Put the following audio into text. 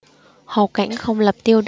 hầu cảnh không lập tiêu